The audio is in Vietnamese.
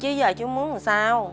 chứ giờ chú muốn làm sao